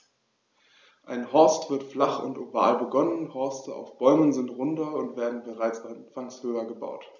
Ein Horst wird flach und oval begonnen, Horste auf Bäumen sind runder und werden bereits anfangs höher gebaut.